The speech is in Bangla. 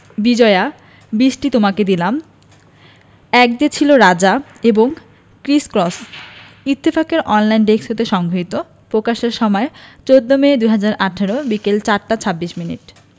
বিজয়া বৃষ্টি তোমাকে দিলাম এক যে ছিল রাজা ও ক্রিস ক্রস ইত্তেফাক এর অনলাইন ডেস্ক হতে সংগৃহীত প্রকাশের সময় ১৪মে ২০১৮ বিকেল ৪টা ২৬ মিনিট